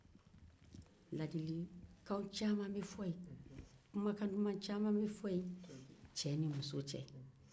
ladilikan ni kumakan duman caman bɛ fɔ yen cɛ ni muso cɛ